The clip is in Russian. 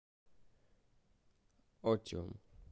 otium